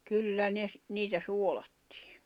kyllä ne - niitä suolattiin